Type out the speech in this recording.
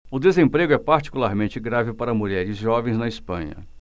o desemprego é particularmente grave para mulheres jovens na espanha